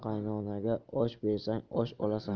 qaynonaga osh bersang osh olasan